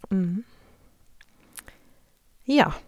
Ja.